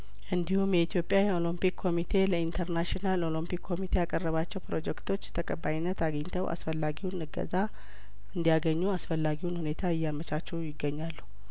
እንዲሁም የኢትዮጵያ ኦሎምፒክ ኮሚቴ ለኢንተርናሽናል ኦሎምፒክ ኮሚቴ ያቀረባቸው ፕሮጀክቶች ተቀባይነት አግኝተው አስፈላጊውን እገዛ እንዲ ያገኙ አስፈላጊውን ሁኔታ እያመቻቹ ይገኛሉ